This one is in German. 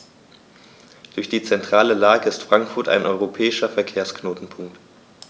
Durch die zentrale Lage ist Frankfurt ein europäischer Verkehrsknotenpunkt.